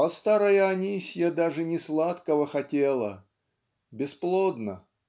А старая Анисья даже не сладкого хотела, бесплодно